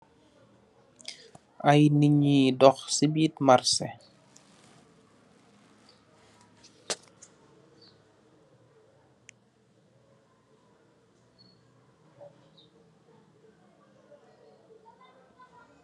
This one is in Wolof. Ay nit ñuuy ndox ci biir marchè.